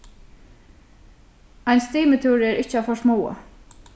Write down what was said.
ein stimitúrur er ikki at forsmáa